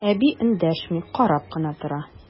Әби эндәшми, карап кына тора.